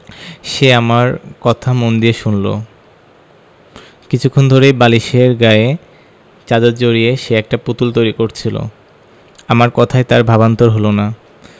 সে আমার কথা মন দিয়ে শুনলো কিছুক্ষণ ধরেই বালিশের গায়ে চাদর জড়িয়ে সে একটা পুতুল তৈরি করছিলো আমার কথায় তার ভাবান্তর হলো না